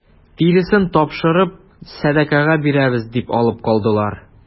Тиресен тапшырып сәдакага бирәбез дип алып калдылар.